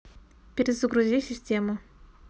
перезагрузи систему